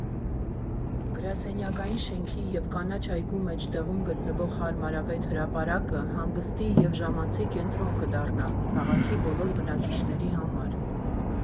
Գրասենյակային շենքի և կանաչ այգու մեջտեղում գտնվող հարմարավետ հրապարակը հանգստի և ժամանցի կենտրոն կդառնա քաղաքի բոլոր բնակիչների համար։